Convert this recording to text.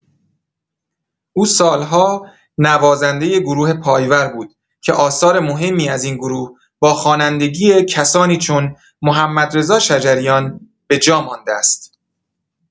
او سال‌ها نوازنده گروه پایور بود که آثار مهمی از این گروه با خوانندگی کسانی چون محمدرضا شجریان به جا مانده است.